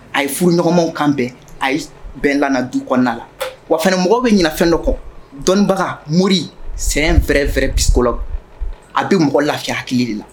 A ye furu ɲɔgɔnw kan bɛn a ye bɛnkanana du kɔnɔna la wa fana mɔgɔw bɛ ɲɛna fɛn dɔ kɔ dɔnnibaga mori sɛ fɛɛrɛɛrɛ bikɔ a bɛ mɔgɔ lafiya hakili de la